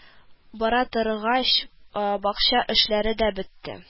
Бара торгач бакча эшләре дә бетте